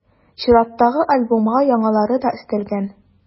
Чираттагы альбомга яңалары да өстәлгән.